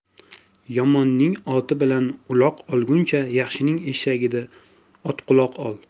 yomonning oti bilan uloq olguncha yaxshining eshagida otquloq ol